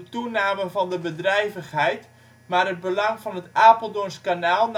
toename van de bedrijvigheid, maar het belang van het Apeldoorns kanaal